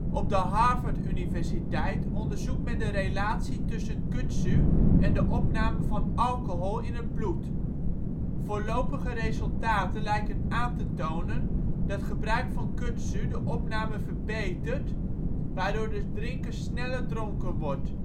Op de Harvard-universiteit onderzoekt men de relatie tussen kudzu en de opname van alcohol in het bloed. Voorlopige resultaten lijken aan te tonen dat gebruik van kudzu de opname verbetert, waardoor de drinker sneller dronken wordt